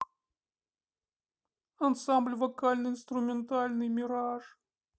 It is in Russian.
ансамбль вокально инструментальный мираж